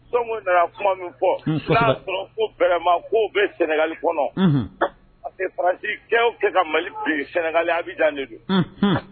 Don nana kuma min fɔ''a sɔrɔ ko bɛɛrɛma ko bɛ sɛnɛgali kɔnɔ a pasi kɛ ka mali sɛnɛgali a bɛ dan de don